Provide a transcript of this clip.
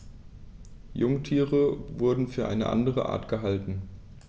Jungtiere wurden für eine andere Art gehalten.